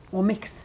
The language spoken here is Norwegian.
omics?